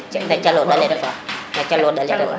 na calo ndale refa n calo ndale